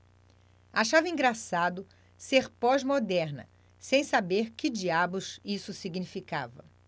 achava engraçado ser pós-moderna sem saber que diabos isso significava